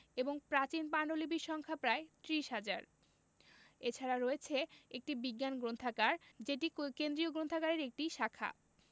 এবং প্রাচীন পান্ডুলিপির সংখ্যা প্রায় ত্রিশ হাজার এছাড়া রয়েছে একটি বিজ্ঞান গ্রন্থাগার যেটি কেন্দ্রীয় গ্রন্থাগারের একটি শাখা